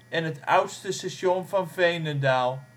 en het oudste station van Veenendaal